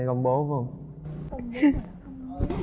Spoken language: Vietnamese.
công bố phải không